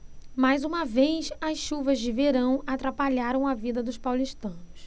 mais uma vez as chuvas de verão atrapalharam a vida dos paulistanos